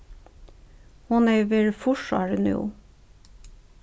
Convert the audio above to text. hon hevði verið fýrs ár nú